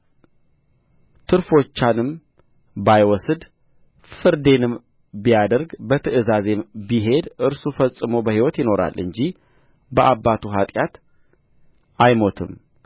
ትርፎቻንም ባይወስድ ፍርዴንም ቢያደርግ በትእዛዜም ቢሄድ እርሱ ፈጽሞ በሕይወት ይኖራል እንጂ በአባቱ ኃጢአት አይሞትም